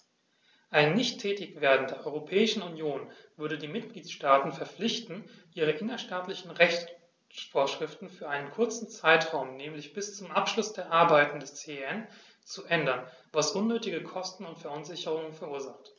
Ein Nichttätigwerden der Europäischen Union würde die Mitgliedstaten verpflichten, ihre innerstaatlichen Rechtsvorschriften für einen kurzen Zeitraum, nämlich bis zum Abschluss der Arbeiten des CEN, zu ändern, was unnötige Kosten und Verunsicherungen verursacht.